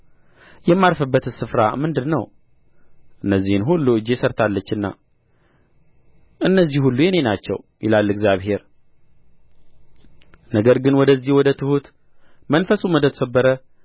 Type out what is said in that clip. የማርፍበትስ ስፍራ ምንድር ነው እነዚህን ሁሉ እጄ ሠርታለችና እነዚህ ሁሉ የእኔ ናቸው ይላል እግዚአብሔር ነገር ግን ወደዚህ ወደ ትሑት መንፈሱም ወደ ተሰበረ